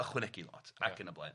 ychwanegu lot ac yn y blaen